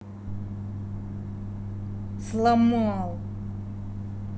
сломал